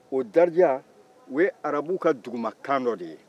o darija o ye arabuw ka dugumakan dɔ de ye